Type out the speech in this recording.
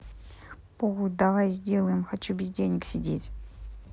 похуй давай сделаем хочу без денег сидеть